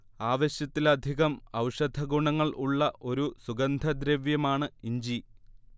ആവശ്യത്തിലധികം ഔഷധഗുണങ്ങൾ ഉള്ള ഒരു സുഗന്ധദ്രവ്യമാണ് ഇഞ്ചി